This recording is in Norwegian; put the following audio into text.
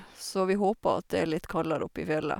Så vi håper at det er litt kaldere oppe i fjellet.